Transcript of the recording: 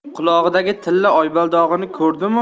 qulog'idagi tilla oybaldog'ini ko'rdimu